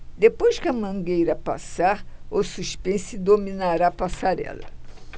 depois que a mangueira passar o suspense dominará a passarela